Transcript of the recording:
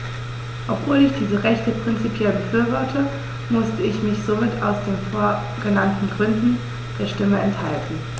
Obwohl ich diese Rechte prinzipiell befürworte, musste ich mich somit aus den vorgenannten Gründen der Stimme enthalten.